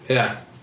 Ia.